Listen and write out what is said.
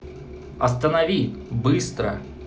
останови быстро